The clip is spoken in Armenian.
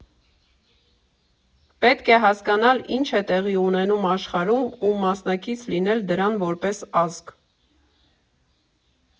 Պետք է հասկանալ՝ ինչ է տեղի ունենում աշխարհում ու մասնակից լինել դրան որպես ազգ։